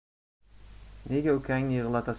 nega ukangni yig'latasan